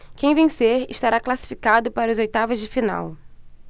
quem vencer estará classificado para as oitavas de final